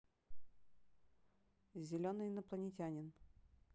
зеленый инопланетянин